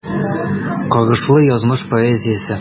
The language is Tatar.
Каргышлы язмыш поэзиясе.